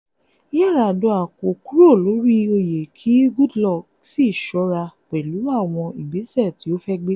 Yar'adua kò kúrò lórí oyè kí Goodluck sì ṣọ́ra pẹ̀lú àwọn ìgbésẹ̀ tí ó fẹ́ gbé.